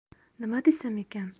nima desam ekan